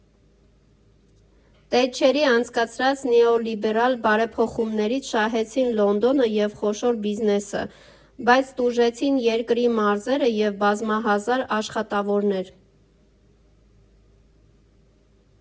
Թետչերի անցկացրած նեոլիբերալ բարեփոխումներից շահեցին Լոնդոնը և խոշոր բիզնեսը, բայց տուժեցին երկրի մարզերը և բազմահազար աշխատավորներ։